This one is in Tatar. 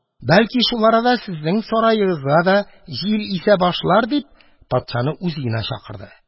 Бәлки, шул арада сезнең сараегызга да җил исә башлар, – дип, патшаны үз өенә чакырды.